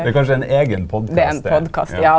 det er kanskje ein eigen på podkast det ja.